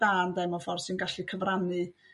da ynde? Mewn ffor' sy'n gallu cyfrannu